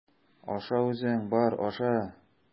Аша үзең, бар, аша!